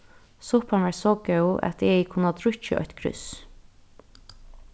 suppan var so góð at eg hevði kunnað drukkið eitt krúss